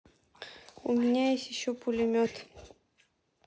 у меня есть еще пулемет